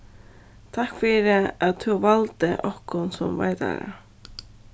takk fyri at tú valdi okkum sum veitara